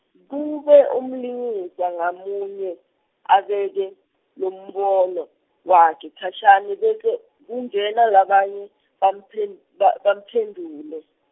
kube umlingiswa ngamunye abeke umbono wakhe khashane bese kungena labanye bamphem- ba-, bamphendvule.